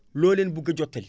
loo leen bëgg a jottali